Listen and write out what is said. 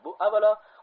bu avvalo